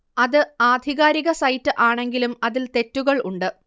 അത് ആധികാരിക സൈറ്റ് ആണെങ്കിലും അതിൽ തെറ്റുകൾ ഉണ്ട്